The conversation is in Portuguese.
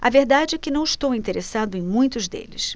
a verdade é que não estou interessado em muitos deles